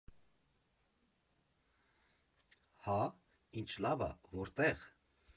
֊Հա՞, ինչ լավ ա, որտե՞ղ։